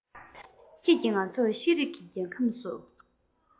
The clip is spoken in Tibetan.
ཁྱེད ཀྱིས ང ཚོར ཤེས རིག གི རྒྱལ ཁམས སུ